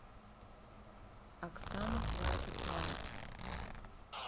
оксану хватит два